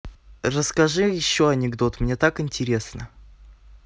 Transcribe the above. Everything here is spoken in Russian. расскажи еще анекдот мне так интересно